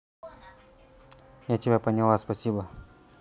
я тебя поняла спасибо